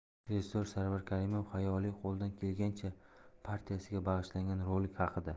rejissor sarvar karimov xayoliy qo'ldan kelgancha partiyasiga bag'ishlangan rolik haqida